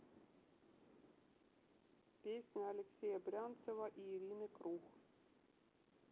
песня алексея брянцева и ирины круг